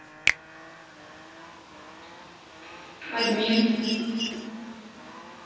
админ